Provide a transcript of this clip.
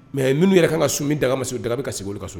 Mais minnu yɛrɛ kan ka sun min daga ma siw daga be ka sigi olu ka so